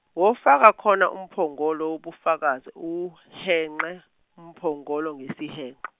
wofaka khona umphongolo wobufakazi uwuhenqe, umphongolo ngesihenqo.